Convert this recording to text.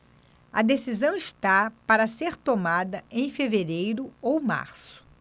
a decisão está para ser tomada em fevereiro ou março